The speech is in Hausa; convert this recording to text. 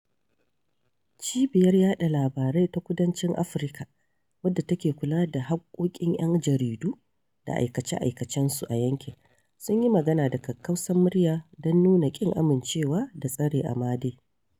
Cibiyar Yaɗa Labarai ta Kudancin Afirka, wadda take kula da haƙƙoƙin 'yan jaridu da aikace-aikacensu a yankin, sun yi magana da kakkausar murya don nuna ƙin amincewa da tsare Amade: